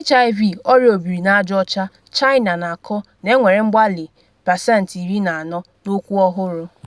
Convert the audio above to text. HIV/Ọrịa obiri n’aja ọcha: China n’akọ na-enwere mgbali 14% n’okwu ọhụrụ